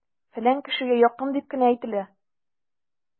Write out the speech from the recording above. "фәлән кешегә якын" дип кенә әйтелә!